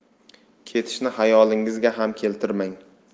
ketishni xayolingizga ham keltirmang